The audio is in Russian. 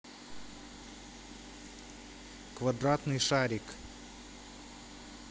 квадратный шарик